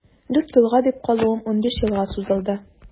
Дүрт елга дип калуым унбиш елга сузылды.